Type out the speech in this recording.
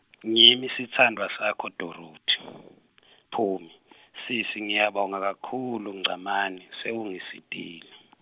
ngimi sitsandvwa sakho Dorothi, Phumi , sisi ngiyabonga kakhulu ngcamane, sewungisitile.